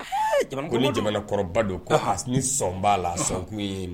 Ko ni jamana kɔrɔba do ko ni sɔn kun ye